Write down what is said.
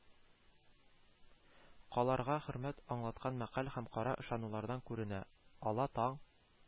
Каларга хөрмәт аңлаткан мәкаль һәм кара ышануларда күренә: ала таң,